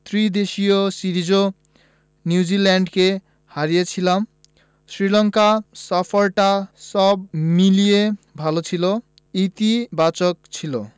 ত্রিদেশীয় সিরিজেও নিউজিল্যান্ডকে হারিয়েছিলাম শ্রীলঙ্কা সফরটা সব মিলিয়ে ভালো ছিল ইতিবাচক ছিল